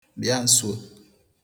bịa nsùo